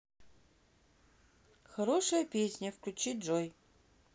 хорошая песня включи джой